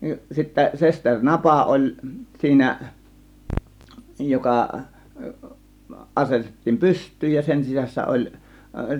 niin sitten sesteri napa oli siinä joka asetettiin pystyyn ja sen sisässä oli